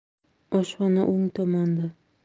oshxona o'ng tomonda